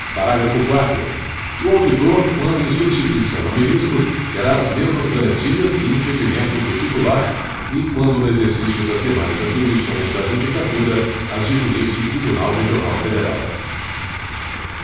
parágrafo quarto o auditor quando em substituição a ministro terá as mesmas garantias e impedimentos do titular e quando no exercício das demais atribuições da judicatura as de juiz de tribunal regional federal